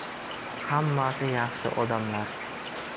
hammasi yaxshi odamlar